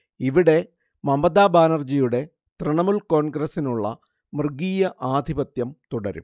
ഇവിടെ മമതാ ബാനർജിയുടെ തൃണമൂൽ കോൺഗ്രസിനുള്ള മൃഗീയ ആധിപത്യം തുടരും